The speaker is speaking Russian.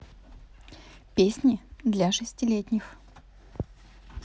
песни для шестилетних